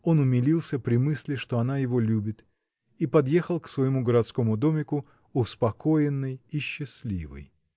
он умилился при мысли, что она его любит, -- и подъехал к своему городскому домику успокоенный и счастливый.